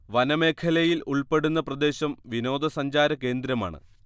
വനമേഖലയിൽ ഉൾപ്പെടുന്ന പ്രദേശം വിനോദസഞ്ചാര കേന്ദ്രമാണ്